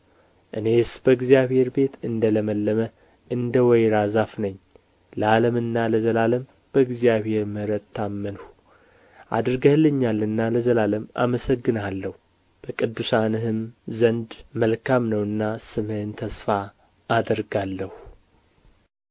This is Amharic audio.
እኔስ በእግዚአብሔር ቤት እንደ ለመለመ እንደ ወይራ ዛፍ ነኝ ለዓለምና ለዘላለም በእግዚአብሔር ምሕረት ታመንሁ አድርገህልኛልና ለዘላለም አመሰግንሃለሁ በቅዱሳንህም ዘንድ መልካም ነውና ስምህን ተስፋ አደርጋለሁ